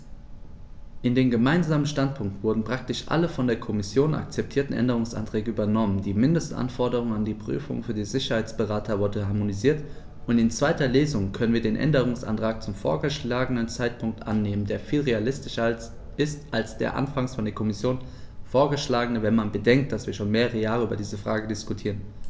In den gemeinsamen Standpunkt wurden praktisch alle von der Kommission akzeptierten Änderungsanträge übernommen, die Mindestanforderungen an die Prüfungen für die Sicherheitsberater wurden harmonisiert, und in zweiter Lesung können wir den Änderungsantrag zum vorgeschlagenen Zeitpunkt annehmen, der viel realistischer ist als der anfangs von der Kommission vorgeschlagene, wenn man bedenkt, dass wir schon mehrere Jahre über diese Frage diskutieren.